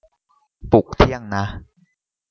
ปลุกเที่ยงนะ